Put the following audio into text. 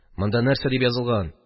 Монда нәрсә дип язылган?